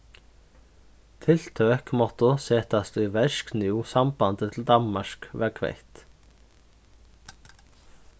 tiltøk máttu setast í verk nú sambandið til danmark varð kvett